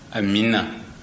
amiina